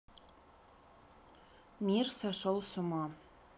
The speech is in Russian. мир сошел с ума